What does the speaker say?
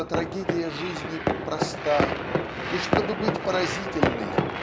что трагедия жизни проста и чтобы быть поразительной